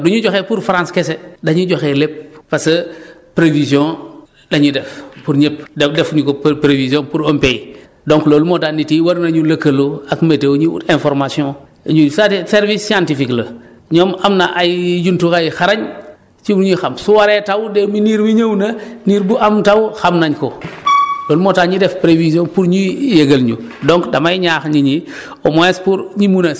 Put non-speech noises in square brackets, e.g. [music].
donc soo demee déglu ay France dañuy joxe ay xibaar du ñu joxe pour Frnace kese dañuy joxe lépp parce que [breath] prévision la ñuy def comme ñëpp defuñu ko prévision pour un pays donc loolu moo tax nit ñi war nañu lëkkaloo ak météo ñu ut information ñuy c' est à dire service scientifique la ñoom am na ay jumtuwaay yu xarañ ci lu ñuy xam su waree taw day mu niir bi ñëw na [breath] niir bu am taw xam nañ ko [noise] loolu moo tax ñu def prévision pour ñuy yëgal ñu [noise]